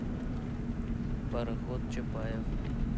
пароход чапаев